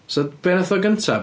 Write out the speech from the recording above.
So be wnaeth ddod gyntaf?